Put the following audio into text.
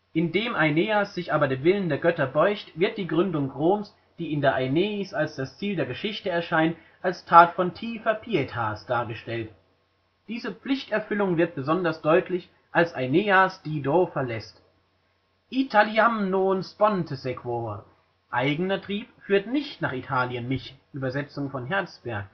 Indem Aeneas sich aber dem Willen der Götter beugt, wird die Gründung Roms, die in der Aeneis als das Ziel der Geschichte erscheint, als Tat von tiefer pietas dargestellt. Diese Pflichterfüllung wird besonders deutlich, als Aeneas Dido verlässt: Italiam non sponte sequor (IV 361) („ Eigener Trieb führt nicht nach Italien mich “, Übers. Hertzberg